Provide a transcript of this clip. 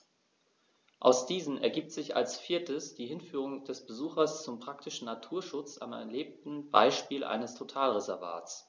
Aus diesen ergibt sich als viertes die Hinführung des Besuchers zum praktischen Naturschutz am erlebten Beispiel eines Totalreservats.